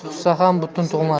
tug'sa ham butun tug'mas